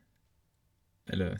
Eller...